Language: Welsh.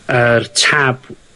yr tab